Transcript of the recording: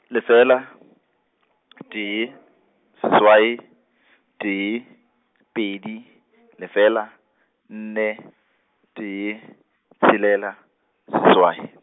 lefela , tee, seswai, tee, pedi, lefela, nne, tee, tshelela, seswai.